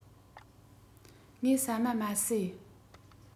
ངས ཟ མ མ ཟོས